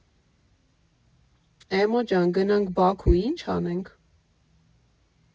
Էմո ջան, գնանք Բաքու, ի՞նչ անենք.